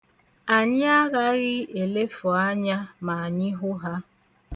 Anyị agaghị elefu anya ma anyị hụ ha.